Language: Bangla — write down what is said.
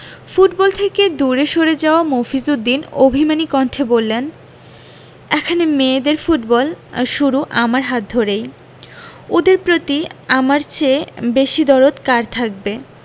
ফুটবল থেকে দূরে সরে যাওয়া মফিজ উদ্দিন অভিমানী কণ্ঠে বললেন এখানে মেয়েদের ফুটবল শুরু আমার হাত ধরেই ওদের প্রতি আমার চেয়ে বেশি দরদ কার থাকবে